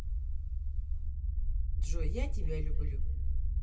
джой я тебя люблю